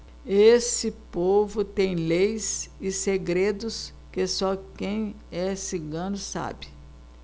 esse povo tem leis e segredos que só quem é cigano sabe